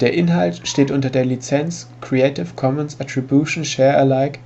Inhalt steht unter der Lizenz Creative Commons Attribution Share Alike